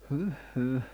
hyh hyh